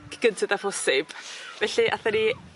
cyn gynted â phosib felly athan ni